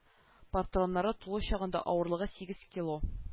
Патроннары тулы чагында авырлыгы сигез кило